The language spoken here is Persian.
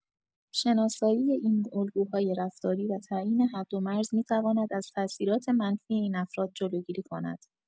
شناسایی این الگوهای رفتاری و تعیین حد و مرز می‌تواند از تاثیرات منفی این افراد جلوگیری کند.